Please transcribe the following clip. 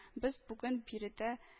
"без бүген биредә